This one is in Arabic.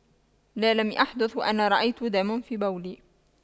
لا لم يحدث أن رأيت دما في بولي